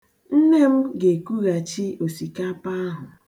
Nne m ga-ekughachi osikapa ahụ.